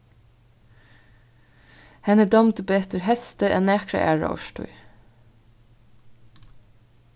henni dámdi betur heystið enn nakra aðra árstíð